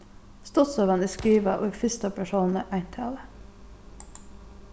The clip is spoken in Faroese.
stuttsøgan er skrivað í fyrsta persóni eintali